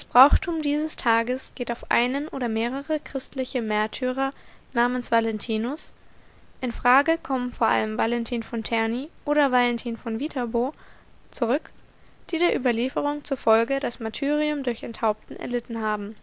Brauchtum dieses Tages geht auf einen oder mehrere christliche Märtyrer namens Valentinus (in Frage kommen vor allem Valentin von Terni oder Valentin von Viterbo) zurück, die der Überlieferung zufolge das Martyrium durch Enthaupten erlitten haben